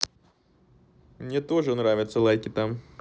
мне тоже нравится лайки там